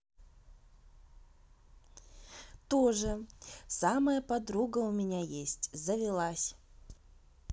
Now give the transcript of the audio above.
тоже самая подруга у меня есть завелась